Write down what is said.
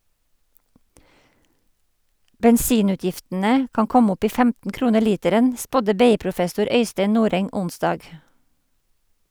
Bensinutgiftene kan komme opp i 15 kroner literen, spådde BI-professor Øystein Noreng onsdag.